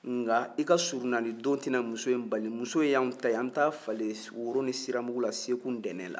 nka i ka surunalidon tɛna muso in bali muso in y'an ta ye anw bɛ taa falen woro ni siramugu la segu ntɛnɛn la